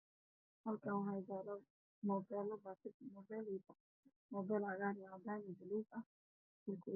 Waa sawir xayeysiis waxaa ii muuqda ama beelo on dhiga waa buluuk